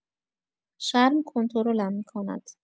شرم کنترلم می‌کند.